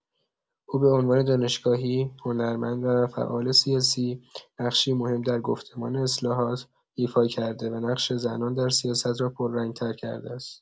او به عنوان دانشگاهی، هنرمند و فعال سیاسی، نقشی مهم در گفتمان اصلاحات ایفا کرده و نقش زنان در سیاست را پررنگ‌تر کرده است.